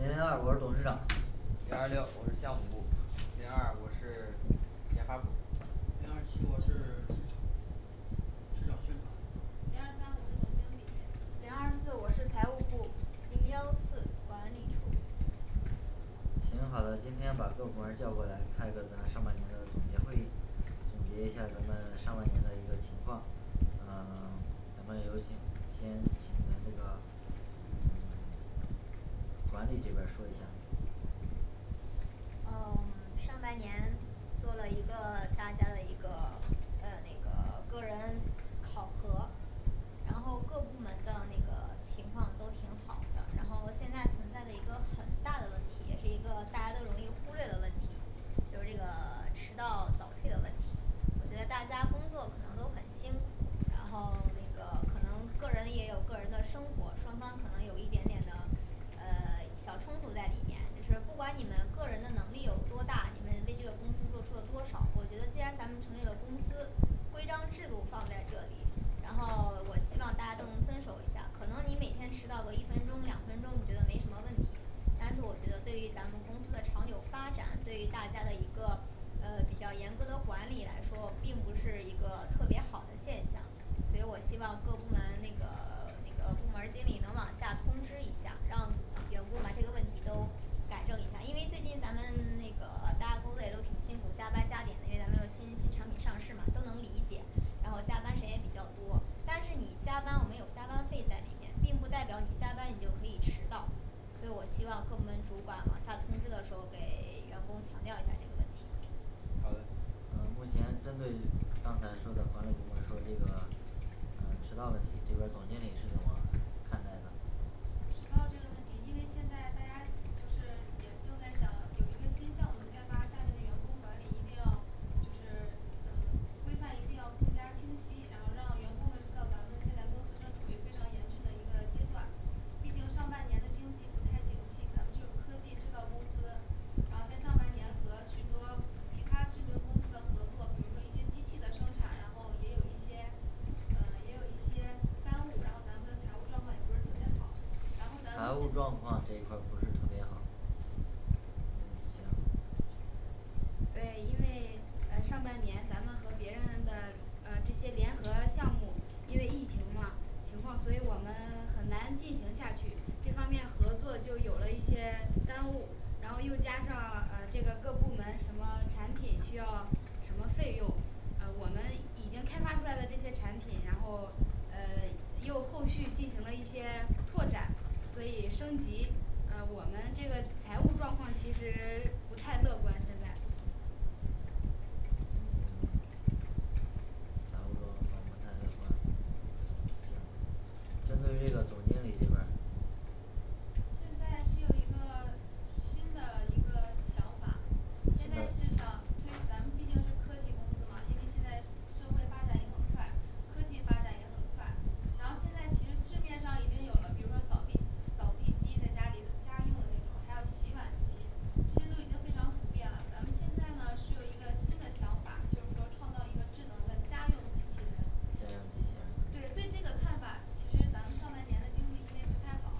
零零二我是董事长零二六我是项目部零二二我是研发部零二七我是市场市场宣传零二三我是总经理零二四我是财务部零幺四管理处行好的今天把各部门儿叫过来开个咱上半年的总结会议总结一下咱们上半年的一个情况嗯 咱们有请先请咱这个嗯 管理这边儿说一下嗯 上半年做了一个大家的一个嗯那个个人考核然后各部门的那个情况都挺好的然后现在存在的一个很大的问题也是一个大家都容易忽略的问题就是这个 迟到早退的问题我觉得大家工作可能都很辛苦然后那个可能个人也有个人的生活双方可能有一点点的呃 小冲突在里面就是不管你们个人的能力有多大你们为这个公司做出了多少我觉得既然咱们成立了公司规章制度放在这里然后我希望大家都能遵守一下可能你每天迟到个一分钟两分钟你觉得没什么问题但是我觉得对于咱们公司的长久发展对于大家的一个呃比较严格的管理来说并不是一个特别好的现象所以我希望各部门那个 那个部门儿经理能往下通知一下让员工把这个问题都改正一下因为最近咱们 那个 大家工作也都挺辛苦加班加点的因为咱们有新新产品上市嘛都能理解然后加班时间也比较多但是你加班我们有加班费在里面并不代表你加班你就可以迟到所以我希望各部门主管往下通知的时候给 员工强调一下这个问题好的嗯目前针对刚才说的管理部门儿说这个呃迟到问题这边儿总经理是怎么看待的迟到这个问题因为现在大家就是也正在想有一个新项目的开发下面的员工管理一定要就是呃 规范一定要更加清晰然后让员工们知道咱们现在公司正处于非常严峻的一个阶段毕竟上半年的经济不太景气咱们就科技制造公司然后在上半年和许多其他智能公司的合作比如说一些机器的生产然后也有一些嗯也有一些耽误然后咱们的财务状况也不是特别好然后咱财们务现状况这块儿不是特别好行对因为 呃上半年咱们和别人的呃这些联合项目因为疫情嘛情况所以我们很难进行下去这方面合作就有了一些耽误然后又加上呃这个各部门什么产品需要什么费用呃我们已经开发出来的这些产品然后呃 又后续进行了一些拓展所以升级呃我们这个财务状况其实 不太乐观现在财务状况不太乐观行针对这个总经理这边儿现在是有一个新的一个想法新现在的是想因为咱们毕竟是科技公司嘛因为现在社会发展也很快科技发展也很快然后现在其实市面上已经有了比如说扫地扫地机在家里家用的那种还有洗碗机这些都已经非常普遍了咱们现在呢是有一个新的想法就是说创造一个智能的家用机器人家用机器人对对这个看法其实咱们上半年的经济因为不太好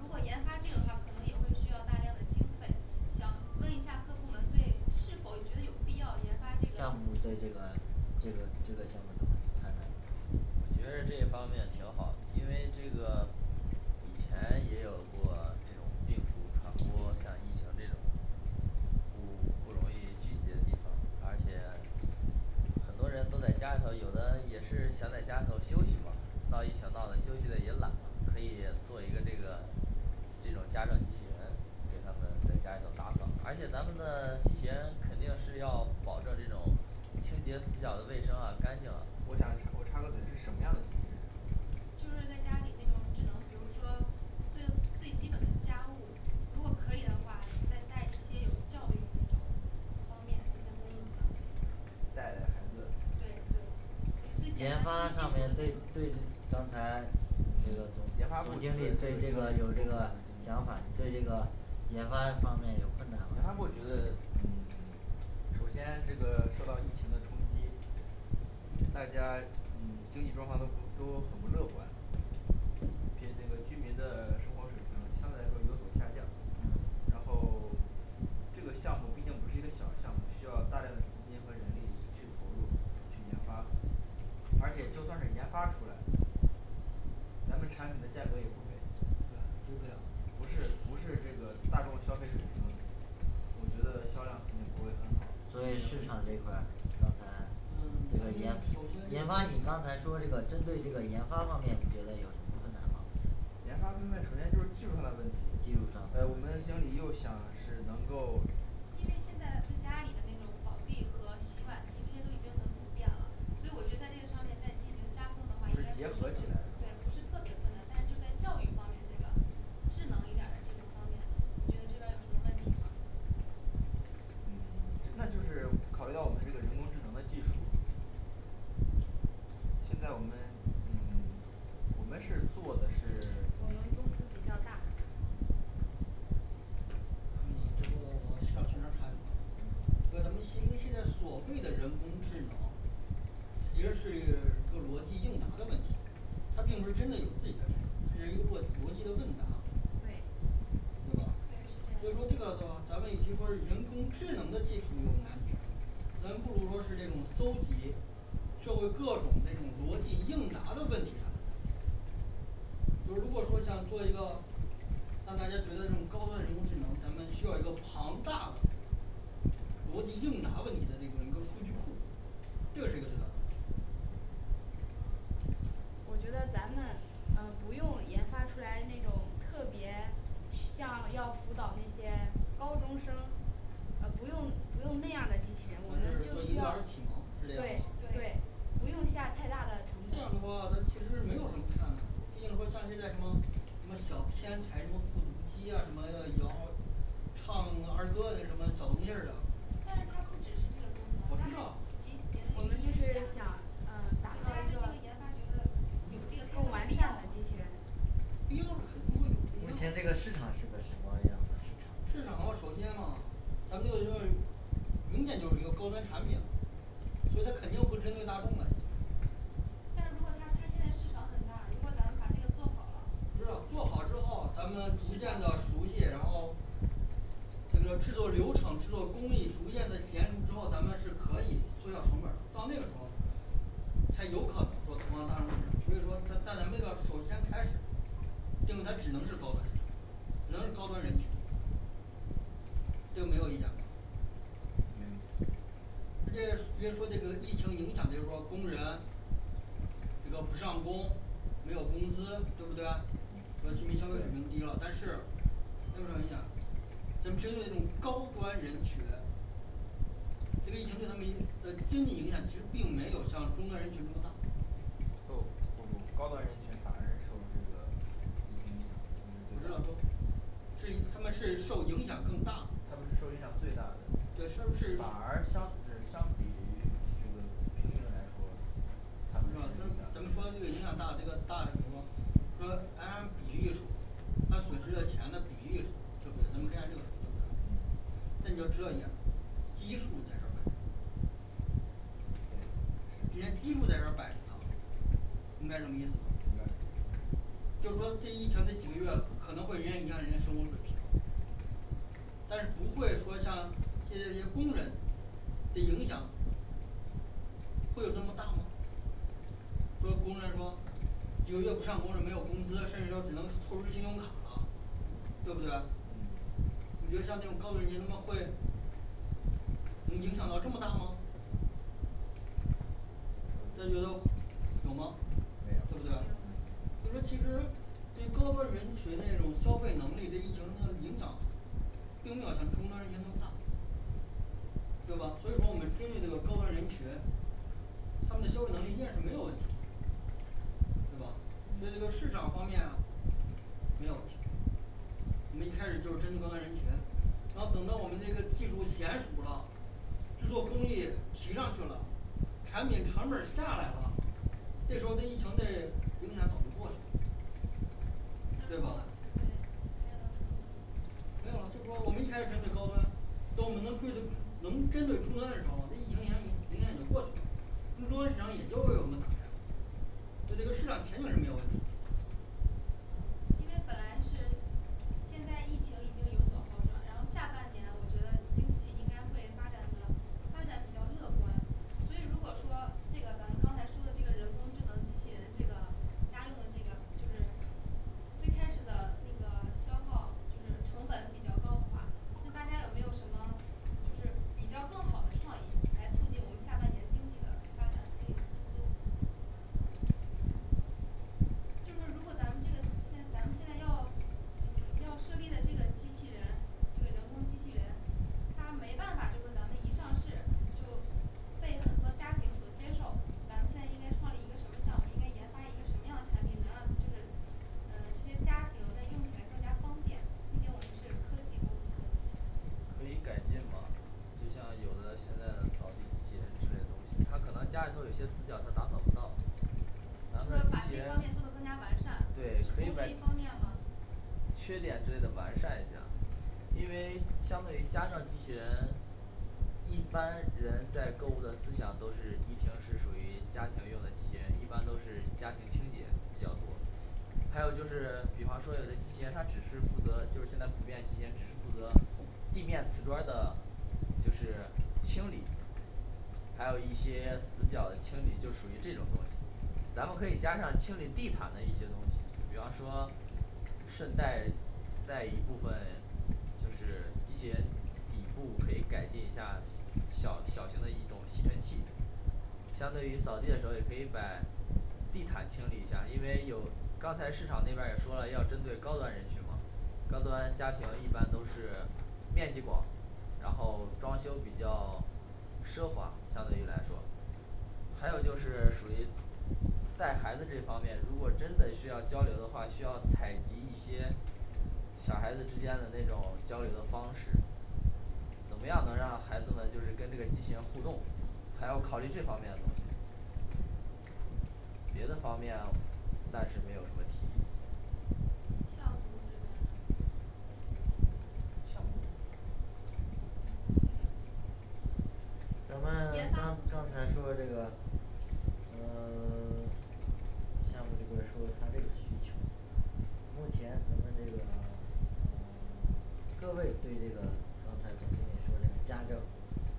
如果研发这个的话可能也会需要大量的经费想问一下各部门对是否觉得有必要研发这项目个对这个这个这个项目怎么看呢我觉得这一方面挺好的因为这个以前也有过这种病毒传播像疫情这种不不容易聚集的地方而且很多人都在家里头有的也是想在家里头休息嘛闹疫情闹得休息的也懒了可以做一个这个这种家政机器人给他们在家里头打扫而且咱们的机器人肯定是要保证这种清洁死角的卫生啊干净啊我想吃 我插个嘴是什么样的机器人就是在家里那种智能比如说最最基本的家务如果可以的话再带一些有教育那种方面一些功能的带带孩子对对研发上面对对刚才这个研发部总就经是理这这个有这个想法对这个研发方面有困难研发吗部觉得嗯 首先这个受到疫情的冲击大家嗯经济状况都不都很不乐观给这个居民的生活水平相对来说有所下降嗯然后 这个项目毕竟不是一个小项目需要大量的资金和人力去投入去研发而且就算是研发出来咱们产品的价格也不菲对对不了不是不是这个大众消费水平我觉得销量肯定不会很好所以市场这块儿刚才嗯因这个为研首先研发你刚才说这个针对这个研发方面你觉得有什么困难吗研发方面首先就是技术上的问题技术上哎的问我题们经理又想是能够因为现在就家里的那种扫地和洗碗机这些都已经很普遍了所以我觉在这上面再进行加工的话应就是该不结是合起来很对不是是吗特别困难但是就在教育方面这个智能一点儿的这种方面你觉得这边儿有什么问题吗嗯那就是考虑到我们这个人工智能的技术现在我们嗯我们是做的是我们公司比较大那个这个我市场宣传插一句啊，这个咱们心中现在所谓的人工智能它其实是一个逻辑应答的问题它并不是真的有自己的智能它是一个逻逻辑的问答对所对以是说这个这样咱们与其说是人工智能的技术有难点儿咱不如说是这种搜集社会各种这种逻辑应答的问题上的难点儿呃如果说想做一个让大家觉得这种高端人工智能咱们需要一个庞大的国际应答问题的这个人工数据库这是一个最大问题我觉得咱们嗯不用研发出来那种特别像要辅导那些高中生呃不用不用那样的机器人我们就对需婴要儿启蒙是这个对吗对对不用下太大的这样的成本话它其实没有什么太大难度毕竟说像现在什么什么小天才什么复读机呀什么谣唱个儿歌的那什么小东西儿啊但是它不只是这个我功知能道啊它我们就是想嗯达到一个更完善的机器人必要是肯定会目有前必这要个市的场是个什么样的市场市场的话首先啊咱做的是明显就是一个高端产品所以它肯定不针对大众来但是如果它它现在市场很大如果咱们把这个做好了知道做好之后咱们逐渐的熟悉然后就是说制作流程制作工艺逐渐的娴熟之后咱们是可以缩小成本儿到那个时候才有可能说到大众不是说但咱们这个首先开始定它只能是高端市场只能是高端人群这个没有意见吧没有意见那这比如说这个疫情影响就是说工人这个不上工没有工资对不对和居民消费水平低了但是要不然你想咱们针对那种高端人群这个疫情对他们影呃经济影响其实并没有像中端人群那么大不不不高端人群反而是受这个影响最大对他们是受影响更大他们是受影响最大对是不的是反而相就相比于这个平民来说他们咱们说这是影响个影响大这个大怎么说说按比例说他损失的钱的比例对不对咱们看下这个图你看嗯但你要知道一下基数在这儿摆着你对这是儿基数在这儿摆着呢明白什么意思明吗白就是说这疫情这几个月可能会人家影响人家生活水平但是不会说像这些工人的影响会有这么大吗说工人说几个月不上工是没有工资甚至说只能透支信用卡对不对嗯你觉得像那种高端人群他们会能影响到这么大吗大家觉得有吗没对不有没对有所以说其实对高端人群这种消费能力对疫情的影响并没有像中端人群那么大对吧所以说我们针对这个高端人群他们的消费能力应该是没有问题对吧所以这个嗯市场方面没有问题我们一开始就是针对高端人群然后等到我们那个技术娴熟了制作工艺提上去了产品成本儿下来了这时候的疫情这影响早就过去了对吧没有啊就是说我们一开始针对高端等我们能能针对中端的时候那疫情影响影响已经过去了就是说市场已经被我们打开了对这个市场前景是没有问题因为本来是现在疫情已经有所好转然后下半年我觉得经济应该会发展的发展比较乐观所以如果说这个咱们刚才说的这个人工智能机器人这个家用的这个就是最开始的那个消耗就是成本比较高的话那大家有没有什么就是比较更好的创意来促进我们下半年经济的发展经营思路就是如果咱们这个现咱们现在要嗯要设立的这个机器人这个人工机器人它没办法就说咱们一上市就被很多家庭所接受咱们现在应该创立一个什么项目应该研发一个什么样的产品能让就是嗯这些家庭在用起来更加方便毕竟我们是科技公司可以改进嘛就像有的现在的扫地机器人之类的东西他可能家里头有些死角它打扫不到就是说咱们的把机这器些人方面做得更加完善对可只用这以一把方面吗缺点之类的完善一下因为相对于家政机器人一般人在购物的思想都是一听是属于家庭用的机器人一般都是家庭清洁比较多还有就是比方说有的机器人它只是负责就是现在普遍机器人只是负责地面瓷砖儿的就是清理还有一些死角的清理就属于这种东西咱们可以加上清理地毯的一些东西比方说顺带带一部分就是机器人底部可以改进一下小小型的一种吸尘器相对于扫地的时候儿也可以把地毯清理一下因为有刚才市场那边儿也说了要针对高端人群嘛高端家庭一般都是面积广然后装修比较奢华相对于来说还有就是属于带孩子这方面如果真的需要交流的话需要采集一些小孩子之间的那种交流的方式怎么样能让孩子们就是跟这个机器人互动还要考虑这方面的东西别的方面暂时没有什么提议项目部这边儿呢项目部咱们研发刚部刚才说这个嗯 项目这边儿说他这个需求目前咱们这个各位对这个刚才总经理说这个家政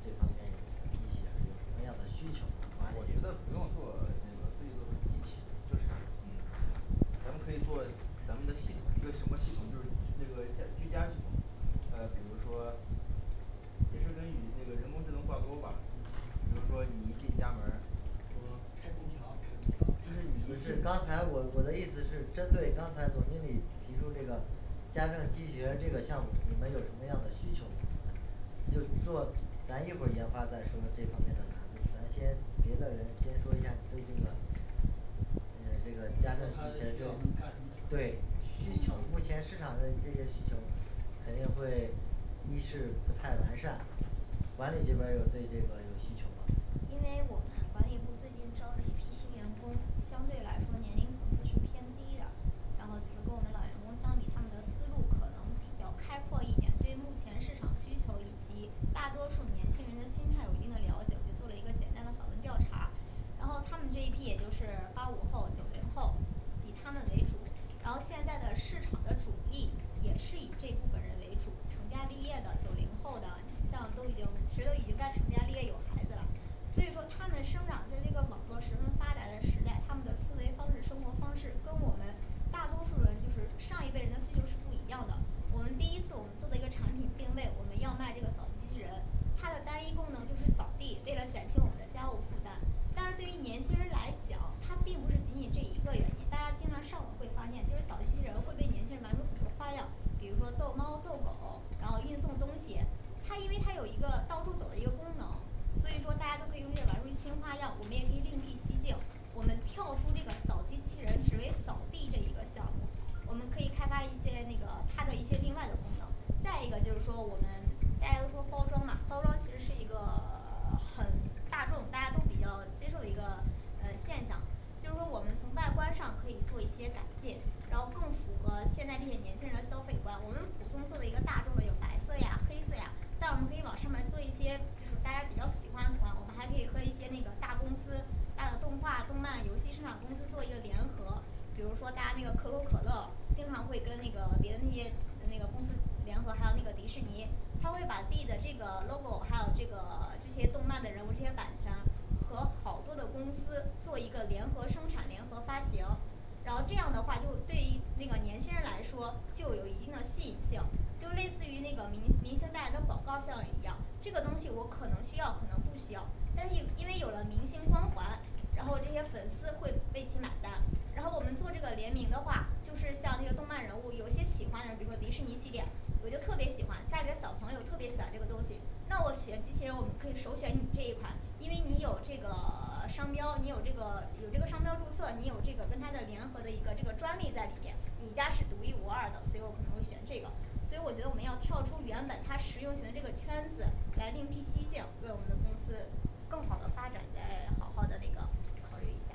这方面的机器人儿有什么样的需求吗管我理觉这边得不用做儿那个非得做成机器就是嗯咱们可以做咱们的系统一个什么系统就是那个在居家系统呃比如说也是跟与这个人工智能挂钩吧嗯比如说你一进家门儿嗯开空调开空调就是你不一进是刚才我我的意思是针对刚才总经理提出这个家政机器人儿这个项目你们有什么样的需求吗现在就做咱一会儿研发再说这个那个的咱先别的人先说一下你对这个呃这个他这个家政机器人需要什么干什对么对需需求功求目能前市场的这些需求肯定会一是不太完善管理这边儿有对这个有需求吗因为我们管理部最近招了一批新员工相对来说年龄层次是偏低的然后就是跟我们老员工相比他们的思路可能比较开阔一点对目前市场的需求以及大多数年轻人的心态有一定的了解就做了一个简单的访问调查然后他们这一批也就是八五后九零后以他们为主然后现在的市场的主力也是以这部分人为主成家立业的九零后的像都已经其实都应该成家立业有孩子了所以说他们生长在这个网络十分发达的时代他们的思维方式生活方式跟我们大多数人就是上一辈人的需求是不一样的我们第一次我们做的一个产品定位我们要卖这个扫地机器人它的单一功能就是扫地为了减轻我们的家务负担当然对于年轻人来讲它并不是仅仅这一个原因大家经常上网会发现就是扫地机器人会被年轻人玩出很多花样比如说逗猫逗狗然后运送东西它因为它有一个到处走的一个功能所以说大家都可以用这个玩儿出一新花样我们也可以另辟蹊径我们跳出这个扫机器人只为扫地这一个项目我们可以开发一些那个它的一些另外的功能再一个就是说我们大家都说包装嘛包装其实是一个 很大众大家都比较接受一个呃现象就是说我们从外观上可以做一些改进然后更符合现在这些年轻人消费观我们普通做了一个大众的有白色呀黑色呀但我们可以往上面儿做一些就是大家比较喜欢的图案我们还可以和一些那个大公司大的动画动漫游戏市场公司做一个联合比如说大家那个可口可乐经常会跟那个别的那些那个公司联合还有那个迪士尼他会把自己的这个logo还有这个这些动漫的人物这些版权和好多的公司做一个联合生产联合发行然后这样的话就会对于那个年轻人来说就有一定的吸引性就类似于那个明明星代言的广告效应一样这个东西我可能需要可能不需要但是因为有了明星光环然后这些粉丝会为其买单然后我们做这个联名的话就是像那个动漫人物有一些喜欢的比如说迪士尼系列我就特别喜欢家里的小朋友特别喜欢这个东西那我选机器人我们可以首选你这一款因为你有这个 商标你有这个有这个商标注册你有这个跟它的联合的一个这个专利在里面你家是独一无二的所以我们才会选这个所以我觉得我们要跳出原本它实用型这个圈子来另辟蹊径为我们的公司更好的发展来好好的那个考虑一下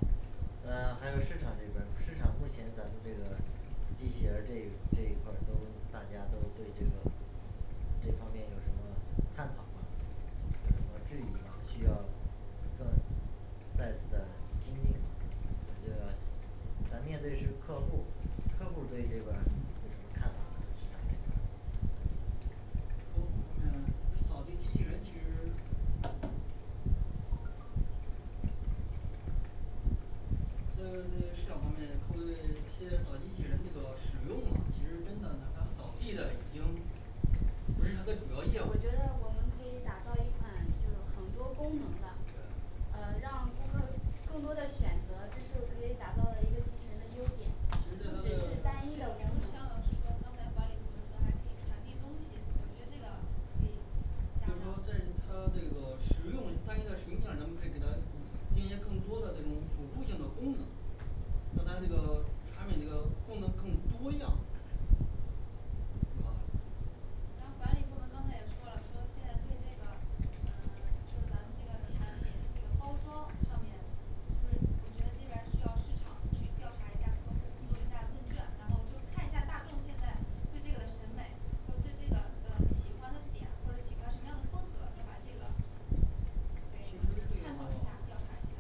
嗯还有市场这边儿市场目前咱们这个机器人这这一块儿都大家都对这个这方面有什么探讨吗有什么质疑吗需要在咱拼命这个，咱面对是客户儿客户儿对这边儿有什么看法吗客户这边儿扫地机器人其实呃市场方面客户的一些扫地机器人这个使用嘛其实真的让它扫地的已经不是它的主要业务我觉得我们可以打造一款就是很多功能的对嗯让顾客更多的选择这是我们可以打造的一个机器人的优点不其只实是它单比如一的的说功能刚才管理部的说还可以传递东西我觉得这个可以所加以说在到它这个实用单一的使用上咱们可以给它添加更多的这种辅助性的功能让它这个产品这个功能更多样是吧然后管理部门刚才也说了说现在对这个呃就是咱们这个产品这个包装上面就是我觉得这边儿需要市场去调查一下客户做一下问嗯卷然后就是看一下大众现在对这个审美还有对这个呃喜欢的点或者喜欢什么样的风格要把这个对其实探这讨一下个调查一下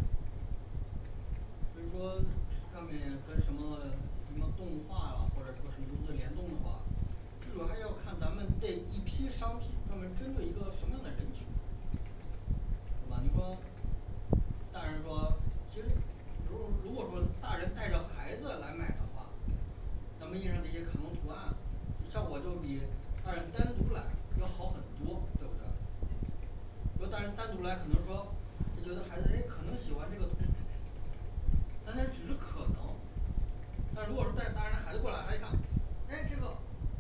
所以说上面跟什么什么动画啊或者说什么什么联动的话这还要看咱们这一批商品专门儿针对一个什么样的人群对吧你说大人说其实如果如果说大人带着孩子来买的话咱们印上那些卡通图案效果就比大人单独来要好很多对不对那大人单独来可能说就觉得孩子诶可能喜欢这个但他只是可能但是如果是带着大人孩子过来他一看哎这个